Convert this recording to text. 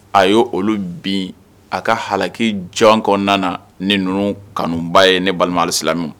A y' olu bin a ka hakiliki jɔn kɔnɔna na ne ninnu kanuba ye ne balimamu alisilamu